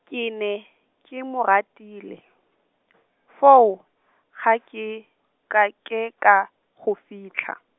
ke ne, ke mo ratile, foo, ga ke, ka ke ka, go fitlha.